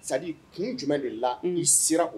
Sa kun jumɛn de la n sera o